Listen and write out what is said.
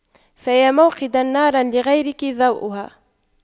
فيا موقدا نارا لغيرك ضوؤها